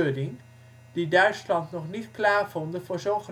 Göring, die Duitsland nog niet klaar vonden voor zo